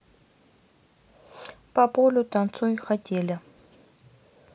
по полю танцуй хотели